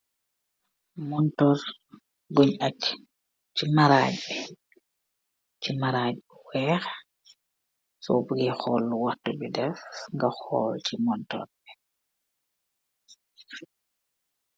Montorre bungh ahjj chi marajj bi, chi marajj bu wekh, sor bugeh horl lu wakhtu bii deff nga horl ci montorre bii.